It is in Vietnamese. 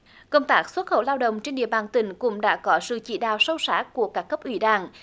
công tác xuất khẩu lao động trên địa bàn tỉnh cũng đã có sự chỉ đạo sâu sát của các cấp ủy đảng